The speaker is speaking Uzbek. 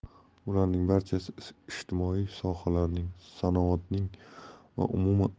bularning barchasi ijtimoiy sohalarning sanoatning va umuman